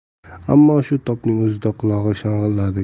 ammo shu topning o'zida qulog'i